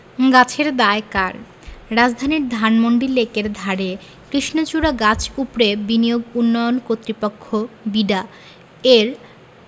গাছের দায় কার রাজধানীর ধানমন্ডি লেকের ধারে কৃষ্ণচূড়া গাছ উপড়ে বিনিয়োগ উন্নয়ন কর্তৃপক্ষ বিডা এর